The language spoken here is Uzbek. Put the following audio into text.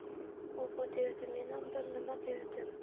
u bu devdi menam bir nima dedim